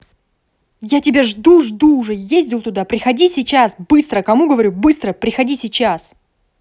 я тебя жду жду уже ездил туда приходи сейчас быстро кому говорю быстро приходи сейчас